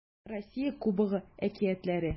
Россия Кубогы әкиятләре